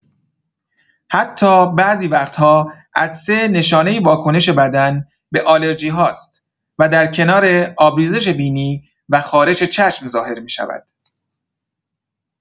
حتی بعضی وقت‌ها عطسه نشانه واکنش بدن به آلرژی‌هاست و در کنار آبریزش بینی و خارش چشم ظاهر می‌شود.